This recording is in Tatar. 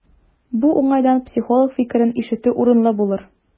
Бу уңайдан психолог фикерен ишетү урынлы булыр.